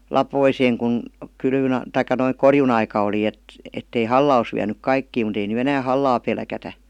laposeen kun kylvön tai noin korjuunaika oli - että ei halla olisi vienyt kaikkia mutta ei nyt enää hallaa pelätä